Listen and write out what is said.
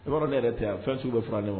I b'a dɔn ne yɛrɛ tɛ yan fɛn sugu bɛ fɔra ne ma.